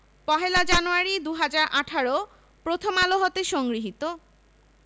০১ January ২০১৮ প্রথম আলো হতে সংগৃহীত